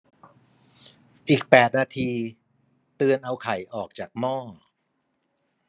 อีกแปดนาทีเตือนเอาไข่ออกจากหม้อ